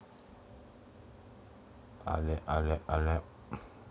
але але але